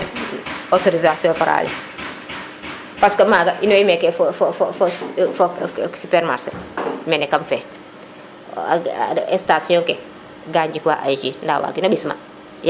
autorisation Fra le parce que maga in way meke fo fo fo supermarché mene kam fe a station ke ga njikwa ay jus nda wagino mbis ma